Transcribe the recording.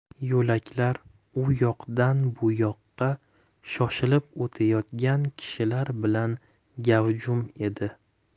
yo'lkalar u yoqdan bu yoqqa shoshilib o'tayotgan kishilar bilan gavjum edi